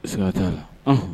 Sokɛ t'a la